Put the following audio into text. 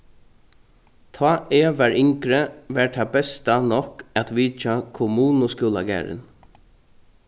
tá eg var yngri var tað besta nokk at vitja kommunuskúlagarðin